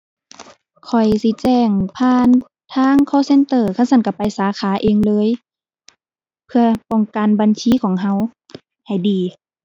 ข้อยสิแจ้งผ่านทาง call center คันซั้นก็ไปสาขาเองเลย เพื่อป้องกันบัญชีของก็ให้ดี